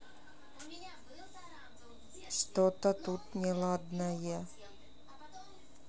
что то тут неладное